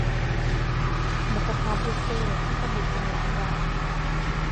หมูกระทะบุฟเฟต์ มันจั่งได้กินหลายอย่าง